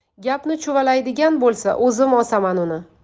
gapni chuvalaydigan bo'lsa o'zim osaman uni